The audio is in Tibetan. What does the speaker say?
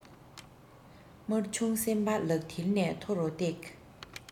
དམར ཆུང སེམས པ ལག མཐིལ ནས མཐོ རུ བཏེགས